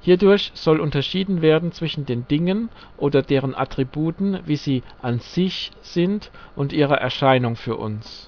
Hierdurch soll unterschieden werden zwischen den Dingen (oder deren Attributen), wie sie " an sich " sind, und ihrer Erscheinung für uns